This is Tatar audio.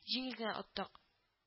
Җиңел генә оттык